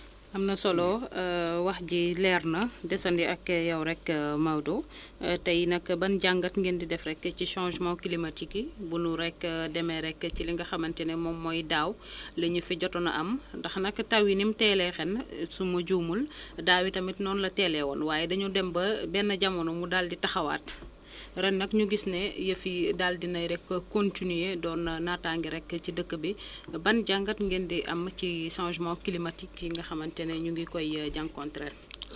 am na solo wax ji leer na desandi ak yow rek Maodo tey nag ban jàngat ngeen di def rek ci changement climatique yi bu nu rek demee rek ci li nga xamante ne moom mooy daaw li ñu fi jotoon a am ndax nag taw yi nim teelee ren su ma juumul daaw tamit noonu la teelee woon waaye dañoo dem ba benn jamono mu daal di taxawaat ren nag ñu gis ne yëf yi daal di nay rek continué doon naataange rek ci dëkk bi ban jàngat ngeen di am ci changement climatique yi nga xamante ne ñu ngi koy jànkuwanteel